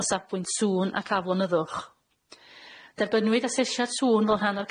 o safbwynt sŵn ac aflonyddwch. Defbynnwyd asesiad sŵn fel rhan o'r